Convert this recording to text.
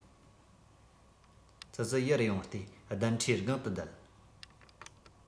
ཙི ཙི ཡར ཡོང སྟེ གདན ཁྲིའི སྒང དུ བསྡད